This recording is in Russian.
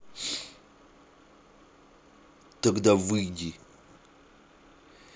тогда выйди